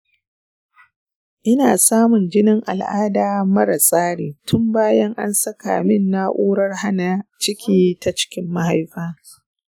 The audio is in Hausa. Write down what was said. ina samun jinin al'ada mara tsari tun bayan an saka min na’urar hana ciki ta cikin mahaifa.